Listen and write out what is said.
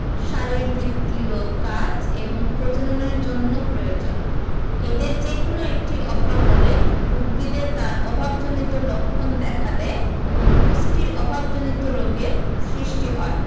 শারীরবৃত্তীয় কাজ এবং প্রজননের জন্য প্রয়োজন এদের যেকোনো একটির অভাব হলে উদ্ভিদে তার অভাবজনিত লক্ষণ দেখা দেয় এবং পুষ্টির অভাবজনিত রোগের সৃষ্টি হয়